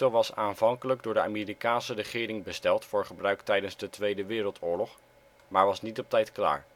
was aanvankelijk door de Amerikaanse regering besteld voor gebruik tijdens de Tweede Wereldoorlog, maar was niet op tijd klaar